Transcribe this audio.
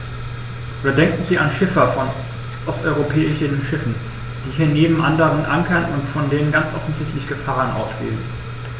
Oder denken Sie an Schiffer von osteuropäischen Schiffen, die hier neben anderen ankern und von denen ganz offensichtlich Gefahren ausgehen.